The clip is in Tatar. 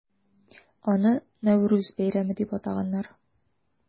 Аны Нәүрүз бәйрәме дип атаганнар.